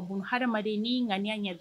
A bon hadamaden n'i ŋani ɲɛ don